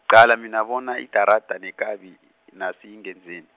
qala mina bona idarada nekabi, nasi ingenzeni.